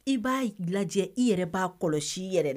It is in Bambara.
I b'a lajɛ i yɛrɛ b'a kɔlɔsi i yɛrɛ dɛ